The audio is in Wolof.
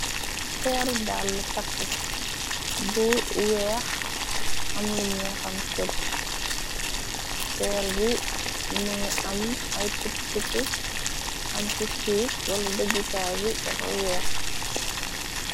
Teeru dalla takku bu weex am luñuexam seb feer bi mëngi am ay tuttup am ca suug wala dëggukaay bi dafa weex.